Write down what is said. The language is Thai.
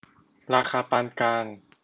ราคาปานกลาง